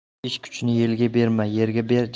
ish kuchini yelga berma yerga